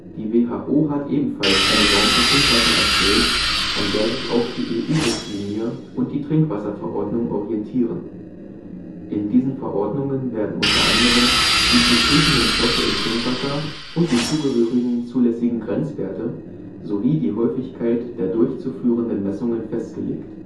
Die WHO hat ebenfalls eine Norm für Trinkwasser erstellt, an der sich auch die EU-Richtlinie und die TrinkwV orientieren. In diesen Verordnungen werden unter anderem die zu prüfenden Stoffe im Trinkwasser und die zugehörigen zulässigen Grenzwerte sowie die Häufigkeit der durchzuführenden Messungen festgelegt